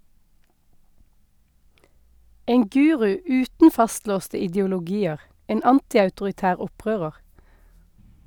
En guru uten fastlåste ideologier, en antiautoritær opprører.